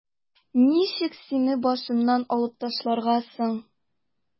Ничек сине башымнан алып ташларга соң?